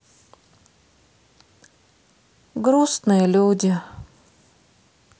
грустные люди